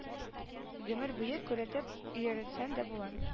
Гомер буе күрәтеп йөрсәң дә була